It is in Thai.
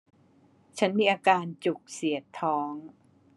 ฉันมีอาการจุกเสียดท้อง